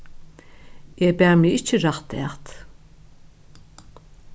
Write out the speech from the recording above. eg bar meg ikki rætt at